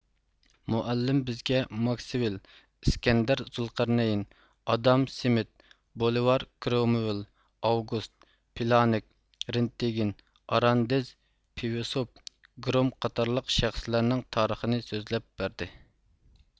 مۇ ئەللىم بىزگە ماكسۋېل ئىسكەندەر زۇلقەرنەين ئادام سمىت بولىۋار كرۇمۋېل ئاۋگۇست پلانك رېنتگېن ئاراندېز پېۋسوپ گرۇم قاتارلىق شەخىسلەرنىڭ تارىخىنى سۆزلەپ بەردى